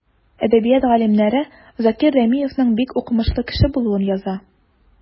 Әдәбият галимнәре Закир Рәмиевнең бик укымышлы кеше булуын яза.